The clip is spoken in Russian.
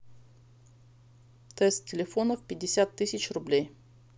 тест телефонов пятьдесят тысяч рублей